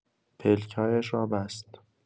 پلک‌هایش را بست.